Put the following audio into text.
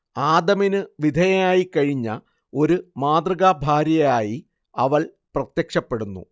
ആദമിനു വിധേയയായി കഴിഞ്ഞ ഒരു മാതൃകാഭാര്യയായി അവൾ പ്രത്യക്ഷപ്പെടുന്നു